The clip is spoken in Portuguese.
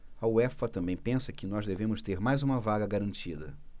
a uefa também pensa que nós devemos ter mais uma vaga garantida